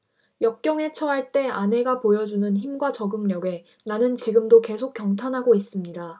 역경에 처할 때 아내가 보여 주는 힘과 적응력에 나는 지금도 계속 경탄하고 있습니다